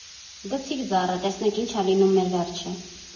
Գցի՛ր զառը՝ տեսնենք, ինչ ա լինում մեր վերջը.